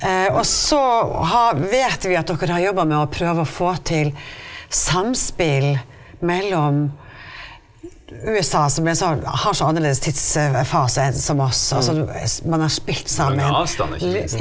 og så vet vi at dere har jobba med å prøve å få til samspill mellom USA som er så har så annerledes tidsfase enn som oss altså man har spilt sammen,.